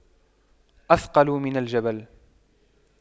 أثقل من جبل